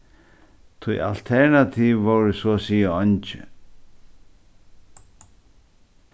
tí alternativ vóru so at siga eingi